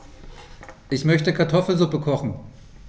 Ich möchte Kartoffelsuppe kochen.